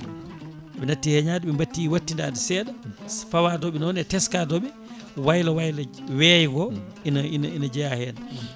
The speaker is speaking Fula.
ɓe natti batti wattidade seeɗa fawadeɓe noon e teskadeɓe waylo waylo weeyo ngo ina ina ina jeeya hen